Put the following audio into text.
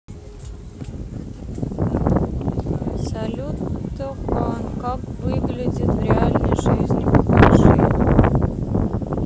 салют тохан как выглядит в реальной жизни покажи